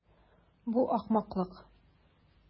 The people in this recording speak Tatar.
Бу ахмаклык.